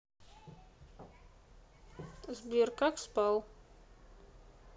сбер как спал